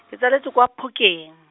ke tsaletswe kwa Phokeng.